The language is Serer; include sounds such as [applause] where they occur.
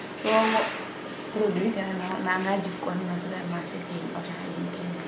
[hesitation] so wo produit kene nawo managa jik wan no supermarché kene yin Auchan ke ke yin keene yin